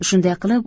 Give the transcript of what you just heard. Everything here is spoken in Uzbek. shunday qilib